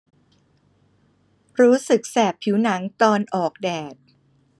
รู้สึกแสบผิวหนังตอนออกแดด